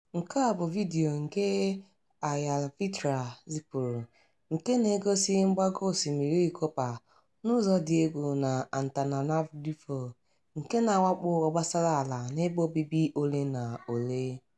Nke a bụ vidiyo nke avyalvitra zipụrụ, nke na-egosị mgbago osimiri Ikopa n'ụzọ dị egwu na Antananarivo, nke na-awakpo obosara ala n'ebe obibi ole na ole.